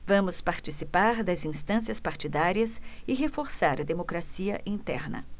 vamos participar das instâncias partidárias e reforçar a democracia interna